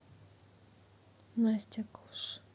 настя ковш